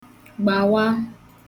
gbàwa